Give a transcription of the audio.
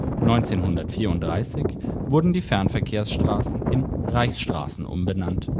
1934 wurden die Fernverkehrsstraßen in Reichsstraßen (R) umbenannt